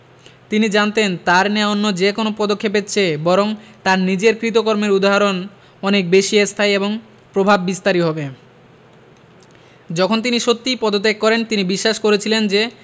তিনি জানতেন তাঁর নেওয়া অন্য যেকোনো পদক্ষেপের চেয়ে বরং তাঁর নিজের কৃতকর্মের উদাহরণ অনেক বেশি স্থায়ী এবং প্রভাববিস্তারী হবে যখন তিনি সত্যিই পদত্যাগ করেন তিনি বিশ্বাস করেছিলেন যে